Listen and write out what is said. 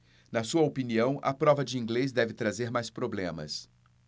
na sua opinião a prova de inglês deve trazer mais problemas